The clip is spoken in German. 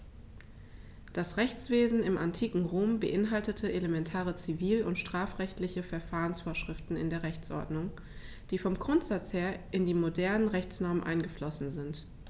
Das Rechtswesen im antiken Rom beinhaltete elementare zivil- und strafrechtliche Verfahrensvorschriften in der Rechtsordnung, die vom Grundsatz her in die modernen Rechtsnormen eingeflossen sind.